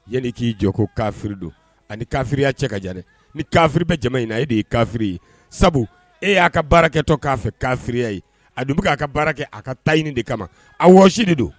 Yanni k'i jɔ kofiridon ani kafiya cɛ ka ni kafiri bɛ jamana in na e de ye kafiri ye sabu e y'a ka baarakɛ tɔ k'a fɛ kaririya ye a dun bɛ'a ka baara kɛ a ka taɲ de kama a wasi de don